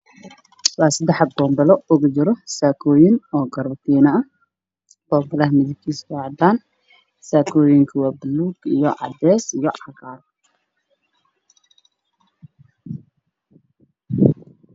Waa seddex xabo oo boonbalo ah waxaa kujiro saakooyin oo garbo fiino ah, boonbaluhu waa cadaan, saakooyinku midabkoodu waa buluug, cadeys iyo cagaar.